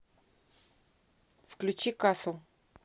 включи касл